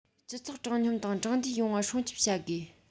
སྤྱི ཚོགས དྲང སྙོམས དང དྲང བདེན ཡོང བ སྲུང སྐྱོང བྱ དགོས